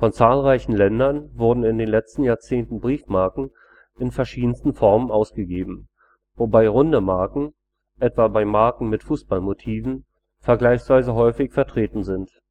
zahlreichen Ländern wurden in den letzten Jahrzehnten Briefmarken in verschiedensten Formen ausgegeben, wobei runde Marken – etwa bei Marken mit Fußballmotiven – vergleichsweise häufig vertreten sind